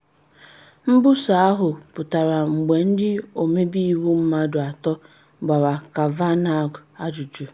Mbusa ahụ pụtara mgbe ndị ọmebe iwu mmadụ atọ gbara Kavanaugh ajụjụ.